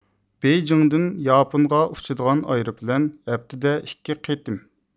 بېيجىڭدىن ياپونغا ئۇچىدىغان ئايروپىلان ھەپتىدە ئىككى قېتىم